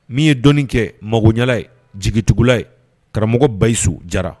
Min ye dɔɔnin kɛ magoya ye jigitigiwla ye karamɔgɔ bayisu jara